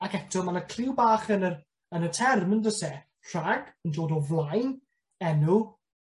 Ac eto ma' 'na cliw bach yn yr, yn y term on'd o's e? Rhag, yn dod o flae, enw.